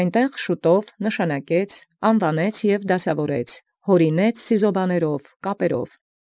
Եւ անդ վաղվաղակի նշանակեալ, անուանեալ և կարգեալ, յաւրինէր սիղոբայիւք կապաւք։